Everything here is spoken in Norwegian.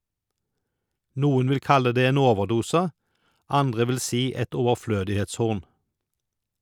Noen vil kalle det en overdose, andre vil si et overflødighetshorn